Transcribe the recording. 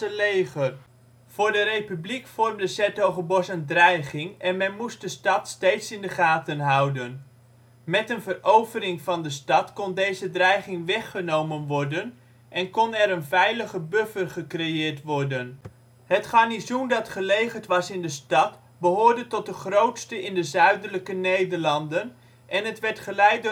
leger. Voor de Republiek vormde ' s-Hertogenbosch een dreiging en moest men de stad steeds in de gaten houden. Met een verovering van de stad kon deze dreiging weggenomen worden en kon er een veilige buffer gecreëerd worden. Het garnizoen dat gelegerd was in de stad behoorde tot de grootste in de Zuidelijke Nederlanden en het werd geleid